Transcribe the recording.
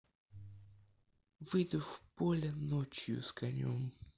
выйду в поле ночью с конем